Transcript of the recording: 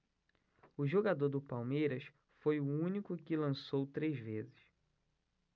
o jogador do palmeiras foi o único que lançou três vezes